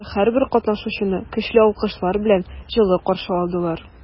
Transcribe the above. Алар һәрбер катнашучыны көчле алкышлар белән җылы каршыладылар.